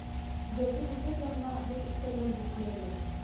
Җәйге буфет янында буш өстәлләр юк диярлек